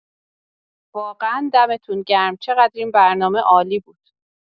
واقعا دمتون گرم چقدر این برنامه عالی بود.